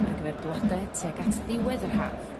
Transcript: ar gyfer blode tuag at ddiwedd yr Haf.